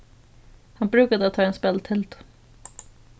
hann brúkar tað tá ið hann spælir teldu